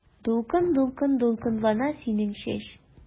Дулкын-дулкын дулкынлана синең чәч.